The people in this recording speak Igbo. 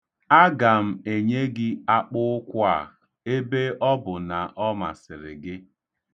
Aga m enye gị akpụụkwụ a, ebe ọ bụ na ọ masịrị gị.